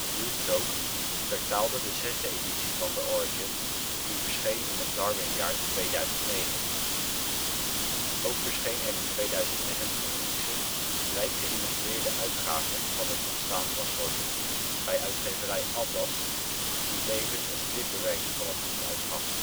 Ruud Rook vertaalde de zesde editie van de Origin die verscheen in het Darwinjaar 2009. Ook verscheen er in 2009 een luxe, rijk geïllustreerde uitgave van Het ontstaan van soorten bij uitgeverij Atlas, die tevens een stripbewerking van het boek uitgaf